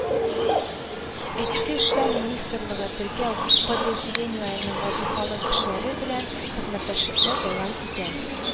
Эчке эшләр министрлыгы теркәү подразделениеләренең вазыйфалы кешеләре белән хезмәттәшлекне дәвам итә